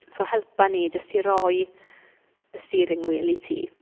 So helpa ni jyst i roi y steering wheel i ti.